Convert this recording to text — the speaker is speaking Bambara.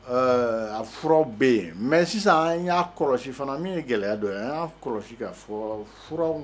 Ɛɛ a furaw be yen mais sisan an ya kɔlɔsi fana min ye gɛlɛya don ye , an yan kɔlɔsi kafɔ